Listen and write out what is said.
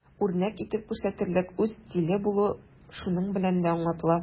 Үрнәк итеп күрсәтерлек үз стиле булу шуның белән дә аңлатыла.